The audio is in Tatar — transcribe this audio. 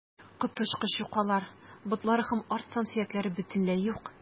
Коточкыч юкалар, ботлары һәм арт сан сөякләре бөтенләй юк.